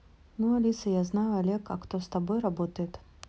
ну алиса я знаю олег а кто с тобой работает